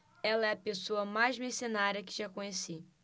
ela é a pessoa mais mercenária que já conheci